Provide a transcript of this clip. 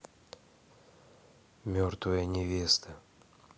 мертвая невеста